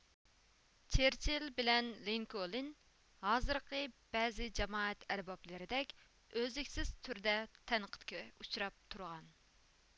چېرچىل بىلەن لىنكولىن ھازىرقى بەزى جامائەت ئەربابلىرىدەك ئۈزلۈكسىز تۈردە تەنقىدكە ئۇچراپ تۇرغان